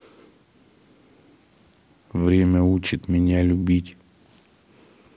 время учит меня любить